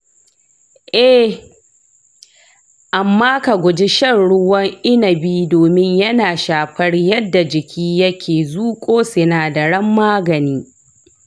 eh, amma ka guji shan ruwan inabi domin yana shafar yadda jiki yake zuƙo sinadaran magani.